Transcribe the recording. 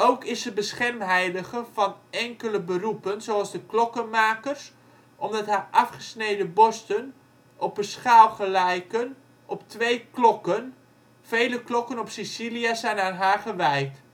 Ook is ze beschermheilige van enkele beroep zoals de klokkenmakers omdat haar afgesneden borsten op een schaal gelijken op 2 klokken. Vele klokken op Sicilië zijn aan haar gewijd